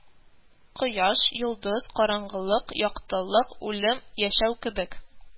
Кояш, йолдыз, караңгылык, яктылык, үлем, яшәү кебек